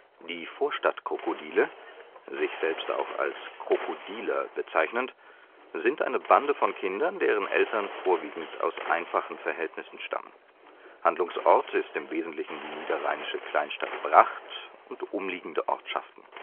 Die Vorstadtkrokodile – sich selbst auch als Krokodiler bezeichnend – sind eine Bande von Kindern, deren Eltern vorwiegend aus einfachen Verhältnissen stammen. Handlungsort ist im wesentlichen die niederrheinische Kleinstadt Bracht und umliegende Ortschaften